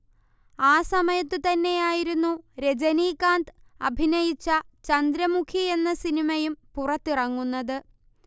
ആ സമയത്തു തന്നെയായിരുന്നു രജനീകാന്ത് അഭിനയിച്ച ചന്ദ്രമുഖി എന്ന സിനിമയും പുറത്തിറങ്ങുന്നത്